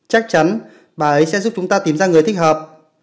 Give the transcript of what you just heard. chắc chắn bà ấy sẽ giúp chúng ta tìm ra người thích hợp